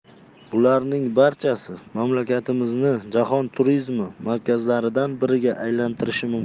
bularning barchasi mamlakatimizni jahon turizmi markazlaridan biriga aylantirishi mumkin